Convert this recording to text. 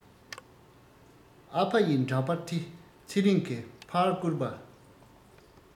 ཨ ཕ ཡི འདྲ པར དེ ཚེ རིང གི ཕར བསྐུར པ